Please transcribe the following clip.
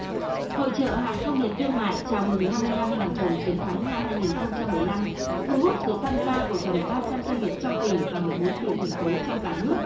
hội chợ hàng công nghiệp thương mại chào mừng năm mươi năm hàm rồng chiến thắng năm hai nghìn không trăm mười lăm thu hút sự tham gia của gần ba trăm doanh nghiệp trong tỉnh và mười bốn tỉnh thành phố trong cả nước